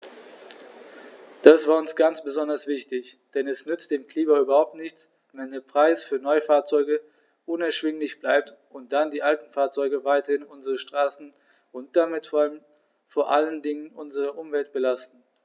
Das war uns ganz besonders wichtig, denn es nützt dem Klima überhaupt nichts, wenn der Preis für Neufahrzeuge unerschwinglich bleibt und dann die alten Fahrzeuge weiterhin unsere Straßen und damit vor allen Dingen unsere Umwelt belasten.